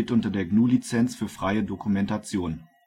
unter der GNU Lizenz für freie Dokumentation